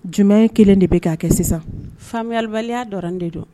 Jumɛn in kelen de bɛ kɛ kɛ sisan faamuyabaliya dɔrɔn de don